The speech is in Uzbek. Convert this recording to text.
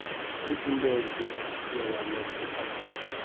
u shunday deb piyolani bo'shatdi